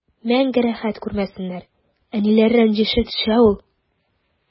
Мәңге рәхәт күрмәсеннәр, әниләр рәнҗеше төшә ул.